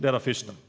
det er det fyrste.